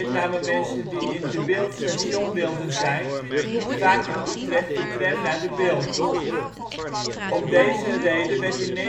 namen mensen die in De Bilt-Station wilden zijn vaak in Utrecht de tram naar De Bilt. Om deze reden werd in 1917